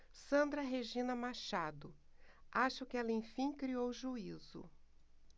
sandra regina machado acho que ela enfim criou juízo